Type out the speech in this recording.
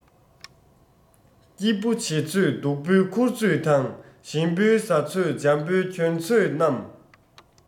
སྐྱིད པོ བྱེད ཚོད སྡུག པོའི འཁུར ཚོད དང ཞིམ པོའི ཟ ཚོད འཇམ པོའི གྱོན ཚོད རྣམས